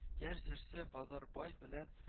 Яшь җырчы базарбай белән